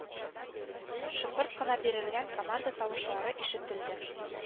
Шыпырт кына бирелгән команда тавышлары ишетелде